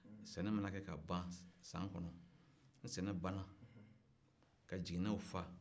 sɛnɛ mana kɛ ka ban san kɔnɔ ni sɛnɛ banna ka jiginɛw fa